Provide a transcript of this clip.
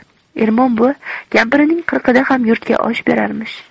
ermon buva kampirining qirqida ham yurtga osh berarmish